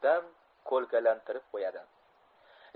dam ko'lankalantirib qo'yadi